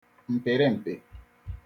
mpịrị (mpị)